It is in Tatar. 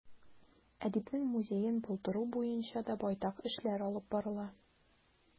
Әдипнең музеен булдыру буенча да байтак эшләр алып барыла.